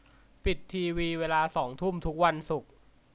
ปิดทีวีเวลาสองทุ่มทุกวันศุกร์